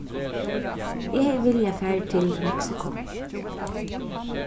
eg hevði viljað farið til meksiko